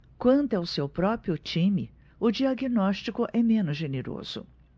quanto ao seu próprio time o diagnóstico é menos generoso